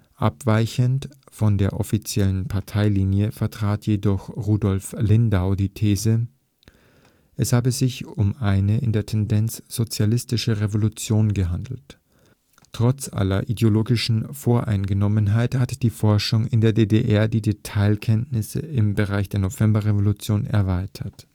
Abweichend von der offiziellen Parteilinie vertrat jedoch Rudolf Lindau die These, es habe sich um eine in der Tendenz sozialistische Revolution gehandelt. Trotz aller ideologischen Voreingenommenheit hat die Forschung in der DDR die Detailkenntnisse im Bereich der Novemberrevolution erweitert